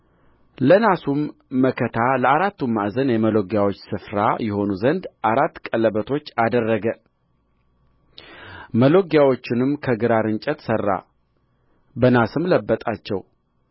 ለናሱም መከታ ለአራቱ ማዕዘን የመሎጊያዎች ስፍራ ይሆኑ ዘንድ አራት ቀለበቶች አደረገ መሎጊያዎቹንም ከግራር እንጨት ሠራ በናስም ለበጣቸው